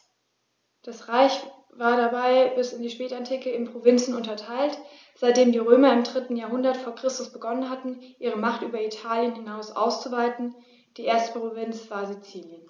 Das Reich war dabei bis in die Spätantike in Provinzen unterteilt, seitdem die Römer im 3. Jahrhundert vor Christus begonnen hatten, ihre Macht über Italien hinaus auszuweiten (die erste Provinz war Sizilien).